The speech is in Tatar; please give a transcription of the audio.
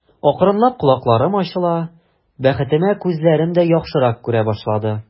Акрынлап колакларым ачыла, бәхетемә, күзләрем дә яхшырак күрә башлады.